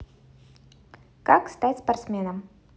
как стать спортсменом